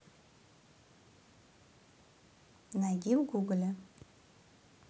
найди в гугле